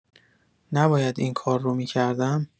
نباید این کارو می‌کردم؟